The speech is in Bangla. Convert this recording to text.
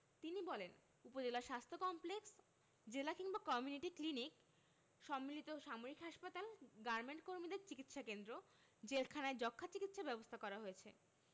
তিনি বলেন উপজেলা স্বাস্থ্য কমপ্লেক্স জেলা কিংবা কমিউনিটি ক্লিনিক সম্মিলিত সামরিক হাসপাতাল গার্মেন্টকর্মীদের চিকিৎসাকেন্দ্র জেলখানায় যক্ষ্মার চিকিৎসা ব্যবস্থা করা হয়েছে